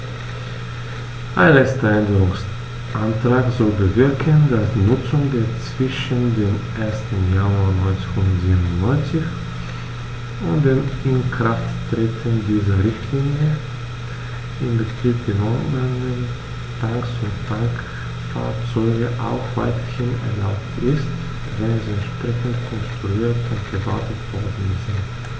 Ein letzter Änderungsantrag soll bewirken, dass die Nutzung der zwischen dem 1. Januar 1997 und dem Inkrafttreten dieser Richtlinie in Betrieb genommenen Tanks und Tankfahrzeuge auch weiterhin erlaubt ist, wenn sie entsprechend konstruiert und gewartet worden sind.